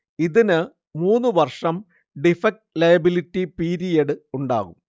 ഇതിന് മൂന്ന് വർഷം ഡിഫക്ട് ലയബിലിറ്റി പീരിയഡ് ഉണ്ടാവും